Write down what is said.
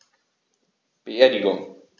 Beerdigung